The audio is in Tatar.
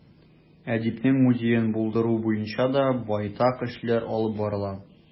Әдипнең музеен булдыру буенча да байтак эшләр алып барыла.